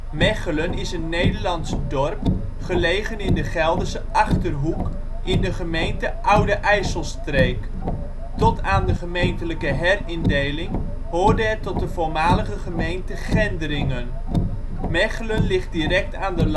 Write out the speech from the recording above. Megchelen is een Nederlands dorp gelegen in de Gelderse Achterhoek, in de gemeente Oude IJsselstreek. Tot aan de gemeentelijk herindeling hoorde het tot de voormalige gemeente Gendringen. Megchelen ligt direct aan de